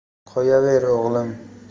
qo'yaver o'g'lim